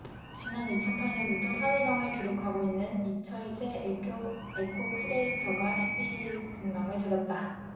지난 이천 팔 년부터 사 대강을 기록하고 있는 이철재 에코큐레이터가 십 이 일 금강을 찾았다